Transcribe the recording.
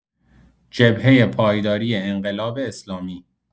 جبهه پایداری انقلاب اسلامی